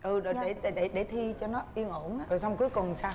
ừ rồi để để để thi cho nó yên ổn đó thế xong cuối cùng sao